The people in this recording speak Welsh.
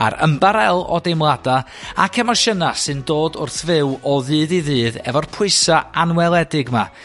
a'r ymbarél o deimlada ac emosiyna' sy'n dod wrth fyw o ddydd i ddydd efo'r pwysa' anweledig 'ma